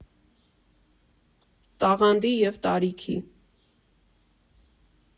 Տաղանդի և տարիքի։